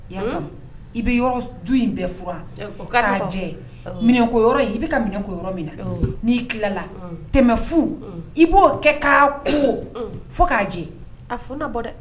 Ka y'a faamu? i bɛ du in bɛɛ jfuran. K'a jɛ, minɛnko yɔrɔ ni i bɛ ka minɛnko yɔrɔ min na n'i tilala tɛmɛ fu i b'o kɛ k'a ko fo k'a jɛ, a fu na bɔ dɛ.